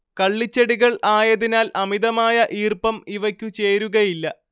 കള്ളിച്ചെടികൾ ആയതിനാൽ അമിതമായ ഈർപ്പം ഇവക്കു ചേരുകയില്ല